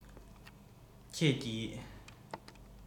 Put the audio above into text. ཁྱེད ཀྱིས